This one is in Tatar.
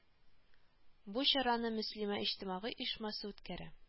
Бу чараны Мөслимә иҗтимагый оешмасы үткәрә